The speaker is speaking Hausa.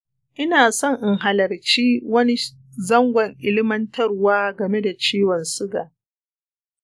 ina son in halarci wani zangon ilmantarwa game da ciwon suga.